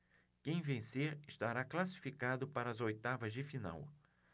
quem vencer estará classificado para as oitavas de final